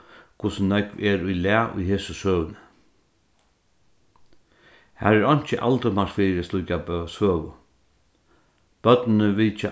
hvussu nógv er í lag í hesi søguni har er einki fyri slíka søgu børnini vitja